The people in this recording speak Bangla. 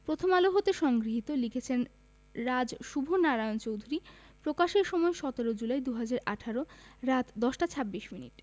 প্রথম আলো হতে সংগৃহীত লিখেছেন রাজ শুভ নারায়ণ চৌধুরী প্রকাশের সময় ১৭ জুলাই ২০১৮ রাত ১০টা ২৬ মিনিট